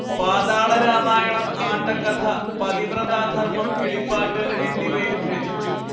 പാതാളരാമായണം ആട്ടക്കഥ പതിവ്രതാധർമം കിളിപ്പാട്ട് എന്നിവയും രചിച്ചു